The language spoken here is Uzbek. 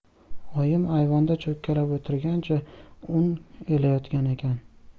oyim ayvonda cho'kkalab o'tirgancha un elayotgan ekan